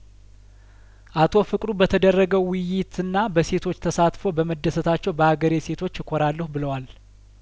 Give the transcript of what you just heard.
አቶ ፍቅሩ በተደረገው ውይይትና በሴቶች ተሳትፎ በመደሰታቸው በሀገሬ ሴቶች እኮራ ለሁ ብለዋል